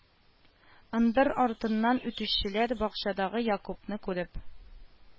Ындыр артыннан үтүчеләр, бакчадагы Якубны күреп